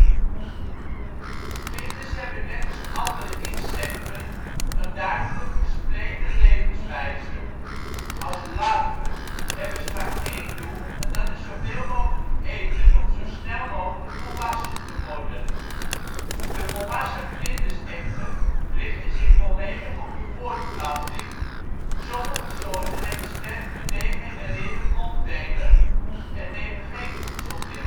Vlinders hebben net als andere insecten een duidelijk gespleten levenswijze. Als larve (rups) hebben ze maar één doel en dat is zoveel mogelijk eten om zo snel mogelijk volwassen te worden. De volwassen vlinders echter richten zich volledig op de voortplanting; sommige soorten hebben sterk gedegenereerde monddelen en nemen geen voedsel meer